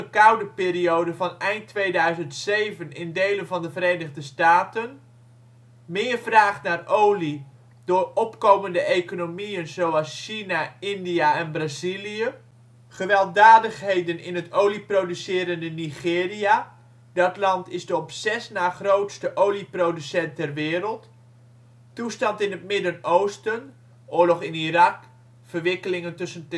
koudeperiode van eind 2007 in delen van de Verenigde Staten Meer vraag naar olie door opkomende economieën zoals China, India en Brazilië Gewelddadigheden in het olieproducerende Nigeria (dat land is de op zes na grootste olieproducent ter wereld) Toestand in het Midden-Oosten (oorlog in Irak, verwikkelingen tussen